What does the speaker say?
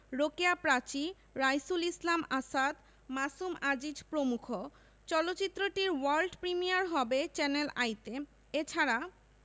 রোকেয়া প্রাচী রাইসুল ইসলাম আসাদ মাসুম আজিজ প্রমুখ চলচ্চিত্রটির world premiere হবে চ্যানেল আইতে এ ছাড়া